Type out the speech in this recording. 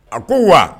A ko wa